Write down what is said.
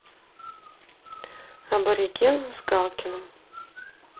абориген с галкиным